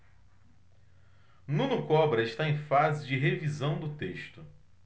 nuno cobra está em fase de revisão do texto